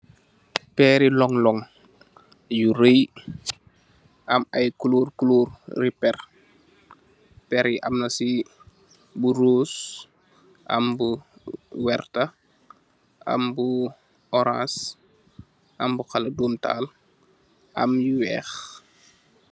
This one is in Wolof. Perri long long yu raay am ay colur coluri perr peri amna si bu rose am bu wertax am bu orance am bu xala domitaal am yu weex.